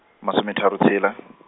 masometharo tshela.